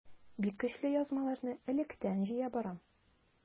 Бик көчле язмаларны электән җыя барам.